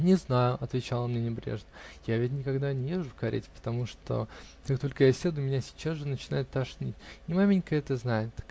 -- Не знаю, -- отвечал он мне небрежно, -- я ведь никогда не езжу в карете, потому что, как только я сяду, меня сейчас начинает тошнить, и маменька это знает.